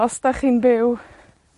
Os 'dach chi'n byw